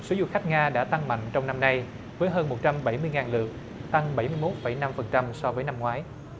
số du khách nga đã tăng mạnh trong năm nay với hơn một trăm bảy mươi ngàn lượt tăng bảy mươi mốt phẩy năm phần trăm so với năm ngoái